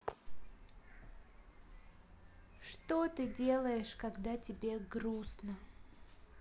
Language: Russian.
что ты делаешь когда тебе грустно